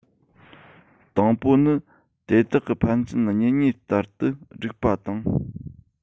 དང པོ ནི དེ དག གི ཕན ཚུན གཉེན ཉེ ལྟར དུ བསྒྲིགས པ དང